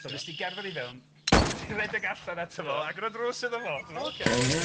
So nes di gerdded i fewn, do's di redeg allan ato fo agor y drws iddo fo, tibod? O ocê ocê.